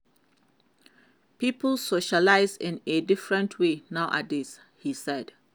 "People socialize in a different way" nowadays, he said.